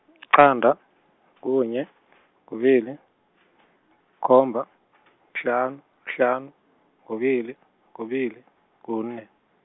liqanda, kunye, kubili, khomba, kuhlanu, kuhlanu, kubili, kubili, kune.